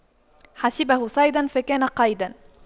حسبه صيدا فكان قيدا